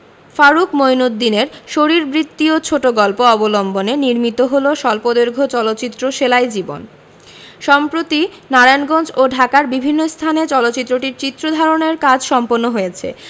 ফারুক মইনউদ্দিনের শরীরবৃত্তীয় ছোট গল্প অবলম্বনে নির্মিত হল স্বল্পদৈর্ঘ্য চলচ্চিত্র সেলাই জীবন সম্প্রতি নারায়ণগঞ্জ ও ঢাকার বিভিন্ন স্থানে চলচ্চিত্রটির চিত্র ধারণের কাজ সম্পন্ন হয়েছে